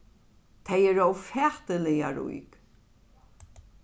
tey eru ófatiliga rík